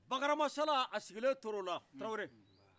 bakari hama sala a sigile tor'ola tarawore